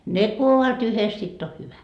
ne kun ovat yhdessä sitten on hyvä